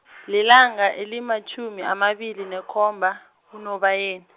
lilanga elimatjhumi amabili nekhomba, kuNobayeni.